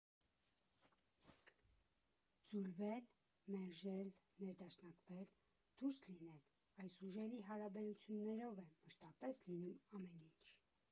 Ձուլվել, մերժել, ներդաշնակվել, դուրս լինել, այս ուժերի հարաբերություններով է մշտապես լինում ամեն ինչ։